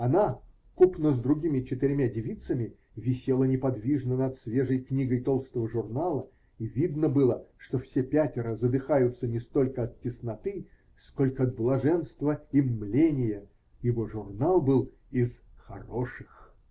Она, купно с другими четырьмя девицами, висела неподвижно над свежей книгой толстого журнала, и видно было, что все пятеро задыхаются не столько от тесноты, сколько от блаженства и мления, ибо журнал был из "хороших".